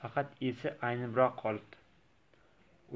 faqat esi aynibroq qolibdi